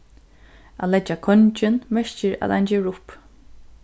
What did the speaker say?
at leggja kongin merkir at ein gevur upp